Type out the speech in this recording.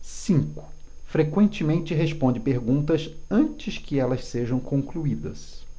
cinco frequentemente responde perguntas antes que elas sejam concluídas